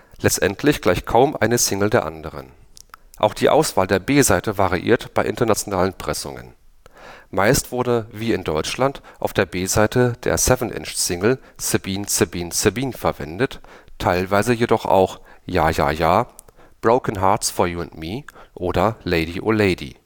Letztendlich gleicht kaum eine Single der anderen. Auch die Auswahl der B-Seite variierte bei internationalen Pressungen. Meist wurde wie in Deutschland auf der B-Seite der 7 "- Single „ Sabine Sabine Sabine “verwendet, teilweise jedoch auch „ Ja ja ja “,„ Broken Hearts for you and me “oder „ Lady-O-Lady